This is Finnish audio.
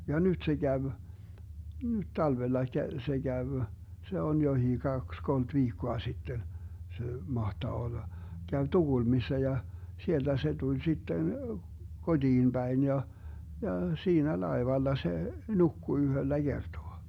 ja nyt se kävi nyt talvellakin - se kävi se on jokin kaksi kolme viikkoa sitten se mahtaa olla kävi Tukholmassa ja sieltä se tuli sitten kotiin päin ja ja siinä laivalla se nukkui yhdellä kertaa